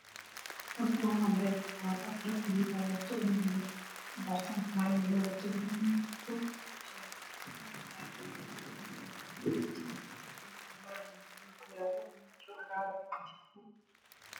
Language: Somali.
Halkan waxaa iiga muuqdo gabar xambaarsan wiil yar